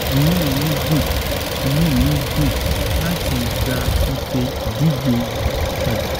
Inú mi dùn, inú mi dùn láti gba ife ìdíje yìí padà.